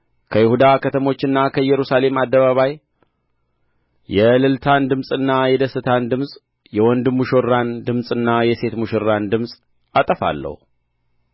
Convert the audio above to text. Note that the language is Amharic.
ከይሁዳ ከተሞችና ከኢየሩሳሌም አደባባይ የእልልታን ድምፅና የደስታን ድምፅ የወንድ ሙሽራን ድምፅና የሴት ሙሽራን ድምፅ አጠፋለሁ